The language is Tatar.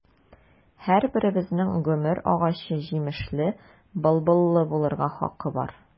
Һәрберебезнең гомер агачы җимешле, былбыллы булырга хакы бар.